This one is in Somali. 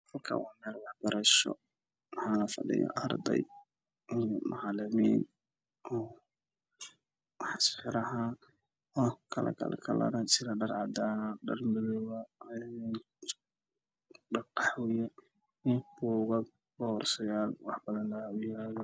Halkaan waxaa ka muuqdo rag kuraas ku fadhido oo iska soo horjeedo waxaana u dhexeeyo miis guduud ah waxaana u saaran boorso madaw iyo buugaag waraaqado cad cad way ka muuqdaan